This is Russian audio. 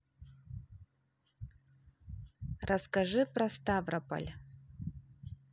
расскажи про ставрополь